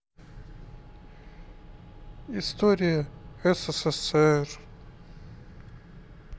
история ссср